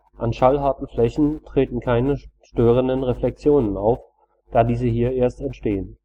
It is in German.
An schallharten Flächen treten keine störenden Reflexionen auf, da diese hier erst entstehen